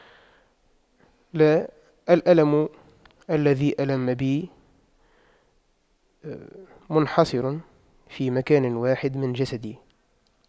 لا الألم الذي ألم بي منحصر في مكان واحد من جسدي